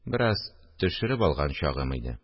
Бераз төшереп алган чагым иде